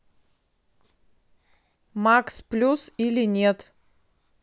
max plus или нет